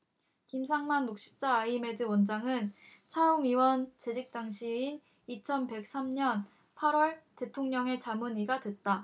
김상만 녹십자아이메드 원장은 차움의원 재직 당시인 이천 백 삼 년 팔 월 대통령 자문의가 됐다